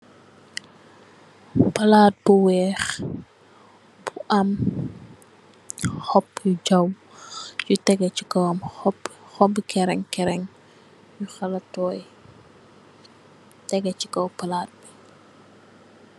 Pahlat bu wekh bu am hohb yu jaww yu tehgeh chi kawam, hohb hohbi kereng kereng yu halar toiiy tehgeh chi kaw palat bii.